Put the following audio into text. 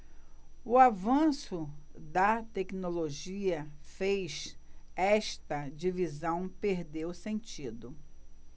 o avanço da tecnologia fez esta divisão perder o sentido